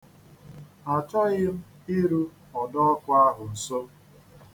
Achọghị m iru ọdọọkụ ahụ nso.